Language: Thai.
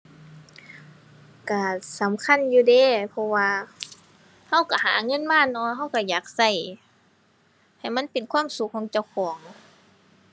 ก็สำคัญอยู่เดะ เพราะว่าก็ก็หาเงินมาเนาะ ก็ก็อยากก็ ให้มันเป็นความสุขของเจ้าของ